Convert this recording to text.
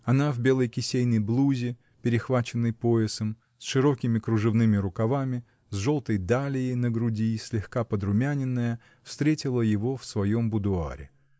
Она в белой кисейной блузе, перехваченной поясом, с широкими кружевными рукавами, с желтой далией на груди, слегка подрумяненная, встретила его в своем будуаре.